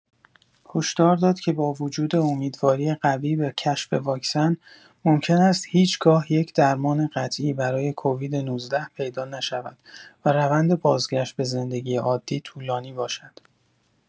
هشدار داد که با وجود امیدواری قوی به کشف واکسن، ممکن است هیچ‌گاه یک درمان قطعی برای کووید- ۱۹ پیدا نشود و روند بازگشت به زندگی عادی طولانی باشد.